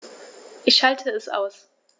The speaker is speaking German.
Ich schalte es aus.